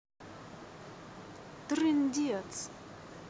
трындец